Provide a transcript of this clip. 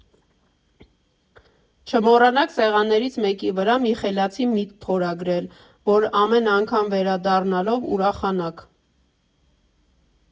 Չմոռանաք սեղաններից մեկի վրա մի խելացի միտք փորագրել, որ ամեն անգամ վերադառնալով ուրախանաք։